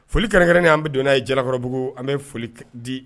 Foli kɛrɛnnen an bɛ donna ye jalakɔrɔbugu an bɛ foli di